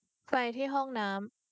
ไปที่ห้องน้ำ